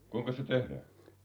kuinkas se tehdään